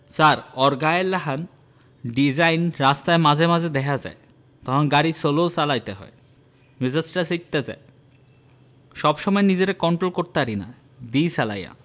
ছার অর গায়ের লাহান ডেজাইন রাস্তায় মাঝে মাঝে দেহা যায় তহন গাড়ি সোলো করতে হয় মেজাজটাই চেইত্তা যায় সব সময় নিজেরে কন্টোল করতারি না দি চালায়া